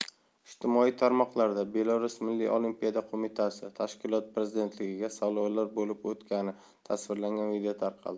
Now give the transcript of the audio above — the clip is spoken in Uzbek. ijtimoiy tarmoqlarda belarus milliy olimpiya qo'mitasida tashkilot prezidentligiga saylovlar bo'lib o'tgani tasvirlangan video tarqaldi